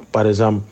Pazme